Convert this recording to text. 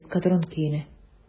"эскадрон" көенә.